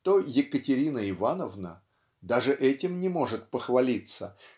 то "Екатерина Ивановна" даже этим не может похвалиться